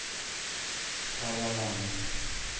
Һавалану